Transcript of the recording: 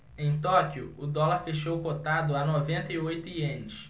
em tóquio o dólar fechou cotado a noventa e oito ienes